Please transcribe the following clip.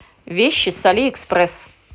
вещи с алиэкспресс